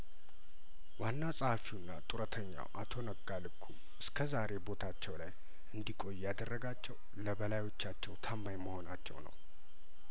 ዋና ጸሀፊውና ጡረተኛው አቶ ነጋ ልኩ እስከ ዛሬ ቦታው ላይ እንዲቆዩ ያደረጋቸው ለበላዮቻቸው ታማኝ መሆናቸው ነው